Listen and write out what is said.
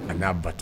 An' a ba tɛ